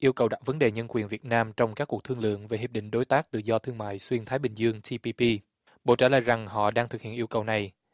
yêu cầu đặt vấn đề nhân quyền việt nam trong các cuộc thương lượng về hiệp định đối tác tự do thương mại xuyên thái bình dương ti pi pi bộ trả lời rằng họ đang thực hiện yêu cầu này